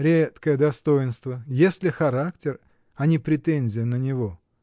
— Редкое достоинство — если характер, а не претензия на него.